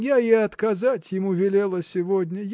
Я и отказать ему велела сегодня.